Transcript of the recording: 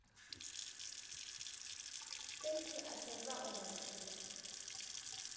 Պետք է այսօրվա օրով ապրել։